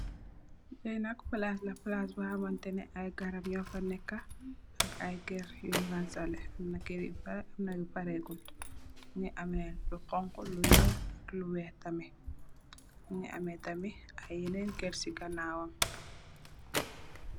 Li nak palaas la, palaas bor hamantene ay garab nyo fa nekka ak ay kër yun rangsalè. Amna kër yu parè, amna yu parè gud. Mungi ameh lu honka, lu ñuul ak lu weeh tamit. Mungi ameh tamit yenen kër ci ganaawam.